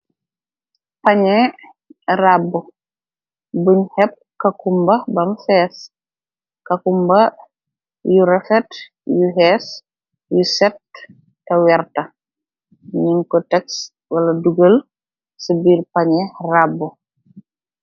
Pañe rabb, buñ xepp kakumba bam fees, kakumba yu refet, yu xees, yu set, te werta, nin ko tex, wala dugal ci bir pañe rabb.